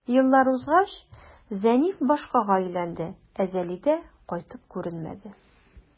Еллар узгач, Зәниф башкага өйләнде, ә Зәлидә кайтып күренмәде.